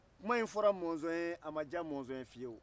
kuma in fɔra mɔnzɔn ye a ma diya mɔnzɔn ye fiyewu